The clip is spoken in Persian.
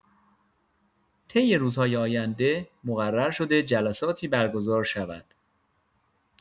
طی روزهای آینده مقرر شده جلساتی برگزار شود.